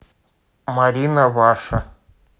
марина ваша